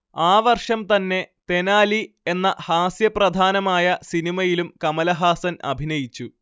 ആ വർഷം തന്നെ തെനാലി എന്ന ഹാസ്യപ്രധാനമായ സിനിമയിലും കമലഹാസൻ അഭിനയിച്ചു